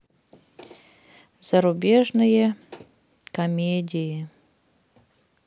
зарубежные комедии